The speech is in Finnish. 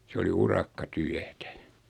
se oli urakkatyötä